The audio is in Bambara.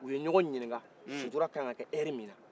u ye jɔgɔn ɲinin ka sutura kan kɛ heure mina